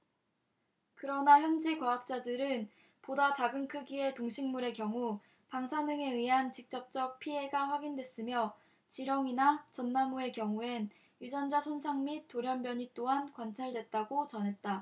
그러나 현지 과학자들은 보다 작은 크기의 동식물의 경우 방사능에 의한 직접적 피해가 확인됐으며 지렁이나 전나무의 경우엔 유전자 손상 및 돌연변이 또한 관찰됐다고 전했다